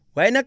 waaye nag